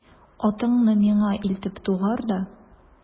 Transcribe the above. Атыңны миңа илтеп тугар да...